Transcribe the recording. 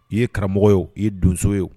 I ye karamɔgɔ ye i ye donso ye